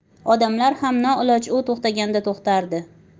odamlar ham noiloj u to'xtaganda to'xtardi